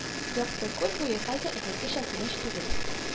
Якты күл буе хәзер элеккечә тыныч түгел